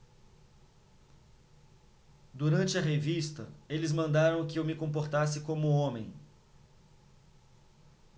durante a revista eles mandaram que eu me comportasse como homem